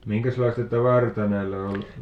minkäslaista tavaraa näillä oli